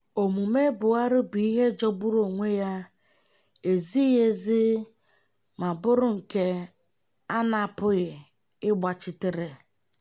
Omume Buhari bụ ihe jọgburu onwe ya, ezighị ezi ma bụrụ nke a na-apụghị ịgbachitere.